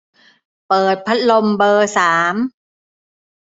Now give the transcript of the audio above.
เปิดพัดลมเบอร์สาม